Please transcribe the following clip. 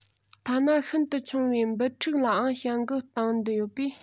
ཐ ན ཤིན ཏུ ཆུང བའི འབུ ཕྲུག ལའང བྱ འགུལ སྟངས འདི ཡོད པས